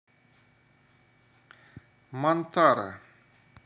montaro